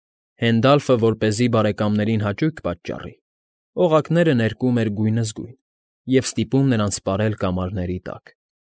Հենդալֆը, որպեսզի բարեկամներին հաճույք պատճառի, օղակները ներկում էր գույնզգույն և ստիպում նրանց պարել կամարների տակ։